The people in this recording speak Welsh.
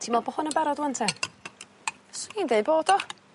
Ti me'wl bo' hon yn barod ŵan 'te? Swn i'n deud bod o.